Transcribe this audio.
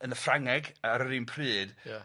yn y Ffrangeg ar yr un pryd ... Ia.